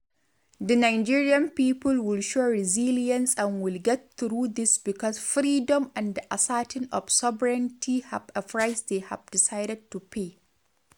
The Nigerien people will show resilience and will get through this because freedom and the ascerting of souvereignty have a price they have decided to pay.